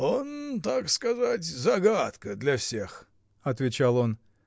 — Он, так сказать, загадка для всех, — отвечал он.